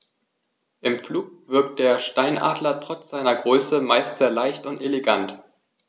Im Flug wirkt der Steinadler trotz seiner Größe meist sehr leicht und elegant.